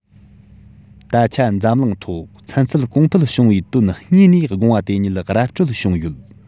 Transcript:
ད ཆ འཛམ གླིང ཐོག ཚན རྩལ གོང འཕེལ བྱུང བའི དོན དངོས ནས དགོངས པ དེ ཉིད ར འཕྲོད བྱུང ཡོད